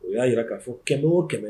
O ya yira ka fɔ kɛmɛ o kɛmɛ